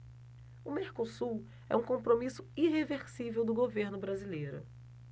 o mercosul é um compromisso irreversível do governo brasileiro